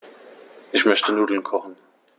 Ich möchte Nudeln kochen.